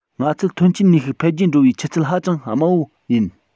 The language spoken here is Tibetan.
ང ཚོའི ཐོན སྐྱེད ནུས ཤུགས འཕེལ རྒྱས འགྲོ བའི ཆུ ཚད ཧ ཅང དམའ པོ ཡིན